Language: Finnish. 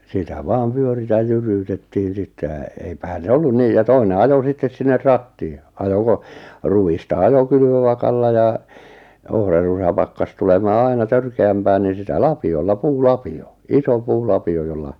sitä vain pyörittää jyryytettiin sitten ja eipähän se ollut niin ja toinen ajoi sitten sinne ratiin ja ajoi - ruista ajoi kylvövakalla ja ohrasta pakkasi tulemaan aina törkeämpää niin sitä lapiolla puulapio iso puulapio jolla